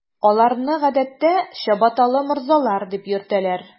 Аларны, гадәттә, “чабаталы морзалар” дип йөртәләр.